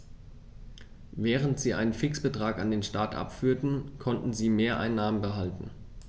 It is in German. Während sie einen Fixbetrag an den Staat abführten, konnten sie Mehreinnahmen behalten.